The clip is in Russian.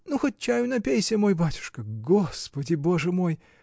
-- Ну, хоть чаю напейся, мой батюшка. Господи боже мой!